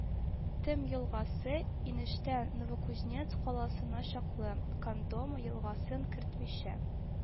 Томь елгасы, инештән Новокузнецк каласына чаклы, Кондома елгасын кертмичә,